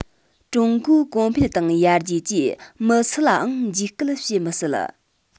ཀྲུང གོའི གོང འཕེལ དང ཡར རྒྱས ཀྱིས མི སུ ལའང འཇིགས སྐུལ བྱེད མི སྲིད